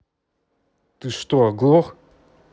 ты что оглох